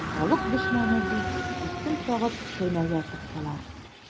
"халык дошманы" дип исем тагып төрмәгә тыктылар.